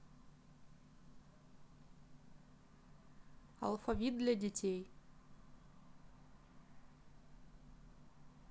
алфавит для детей